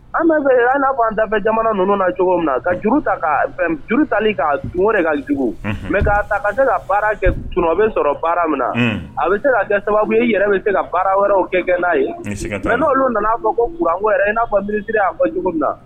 An bɛ yen an n'a fɔ an da jamana ninnu na cogo min juru juru tali ka ka jugu n' ta ka se ka baara kɛ o bɛ sɔrɔ baara min na a bɛ se ka sababu e yɛrɛ bɛ se ka baara wɛrɛ o kɛ gɛn n'a ye' olu nana fɔ wɛrɛ n'a fɔ minisiri a fɔ jugu min na